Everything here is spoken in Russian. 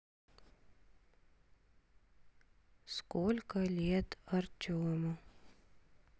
сколько лет артему